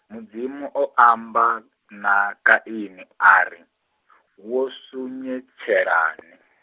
Mudzimu o amba, na Kaini ari, wo sunyutshelani.